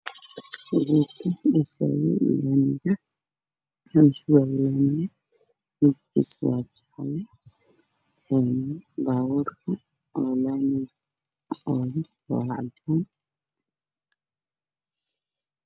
Waa cagaf agaf jaalle ah nin ayaa ku jiro oo kaxaynayo gaari cadaan ayaa wax ku shubaayo